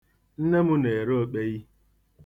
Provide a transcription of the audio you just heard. Nne m na-ere okpei.